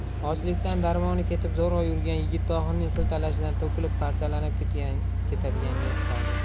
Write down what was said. ochlikdan darmoni ketib zo'rg'a yurgan yigit tohirning siltalashidan to'kilib parchalanib ketadiganga o'xshardi